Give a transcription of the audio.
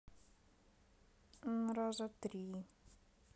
раза три